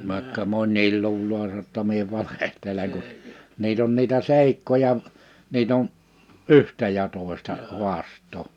vaikka moni luulee sanoi jotta minä valehtelen kun niitä on niitä seikkoja niitä on yhtä ja toista haastaa